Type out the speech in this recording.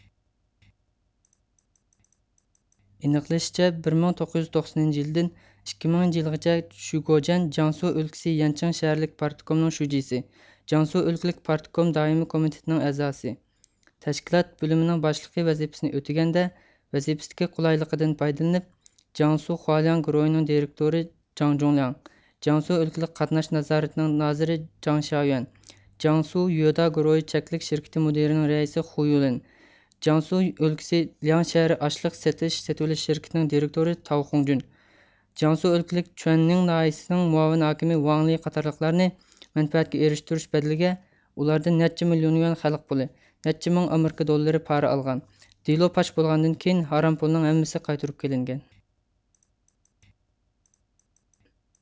ئېنىقلىشىچە بىر مىڭ توققۇز يۈز توقسەنىنچى يىلىدىن ئىككى مىڭىنچى يىلىغىچە شۈگوجيەن جياڭسۇ ئۆلكىسى يەنچېڭ شەھەرلىك پارتكومنىڭ شۇجىسى جياڭسۇ ئۆلكىلىك پارتكوم دائىمىي كومىتېتىنىڭ ئەزاسى تەشكىلات بۆلۈمىنىڭ باشلىقى ۋەزىپىسىنى ئۆتىگەندە ۋەزىپىسىدىكى قۇلايلىقىدىن پايدىلىنىپ جياڭسۇ خۇالياڭ گۇرۇھىنىڭ دىرېكتورى جاڭجۇڭلياڭ جياڭسۇ ئۆلكىلىك قاتناش نازارىتىنىڭ نازىرى جاڭشيايۈەن جياڭسۇ يۆدا گۇرۇھى چەكلىك شىركىتى مۇدىرىنىڭ رەئىسى خۇيۇلىن جياڭسۇ ئۆلكىسى لىياڭ شەھىرى ئاشلىق سېتىش سېتىۋېلىش شىركىتىنىڭ دېرىكتورى تاۋخۇڭجۈن جياڭسۇ ئۆلكىسى چۈەننىڭ ناھىيىسىنىڭ مۇئاۋىن ھاكىمى ۋاڭلى قاتارلىقلارنى مەنپەئەتكە ئېرىشتۈرۈش بەدىلىگە ئۇلاردىن نەچچە مىليون يۈەن خەلق پۇلى نەچچە مىڭ ئامېرىكا دوللىرى پارا ئالغان دېلو پاش بولغاندىن كېيىن ھارام پۇلنىڭ ھەممىسى قايتۇرۇپ كېلىنگەن